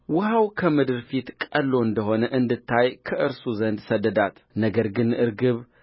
ውኃው ከምድር ፊት ቀልሎ እንደ ሆነ እንድታይ ከእርሱ ዘንድ ሰደዳት ነገር ግን ርግብ